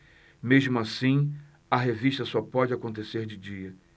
mesmo assim a revista só pode acontecer de dia